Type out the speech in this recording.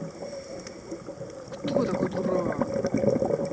кто такой дурак